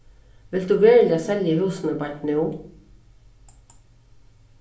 vilt tú veruliga selja húsini beint nú